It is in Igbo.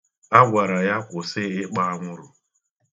A gwara ya kwụsị ịkpọ anwụrụ.